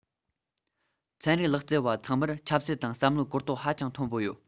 ཚན རིག ལག རྩལ པ ཚང མར ཆབ སྲིད དང བསམ བློའི གོ རྟོགས ཧ ཅང མཐོན པོ ཡོད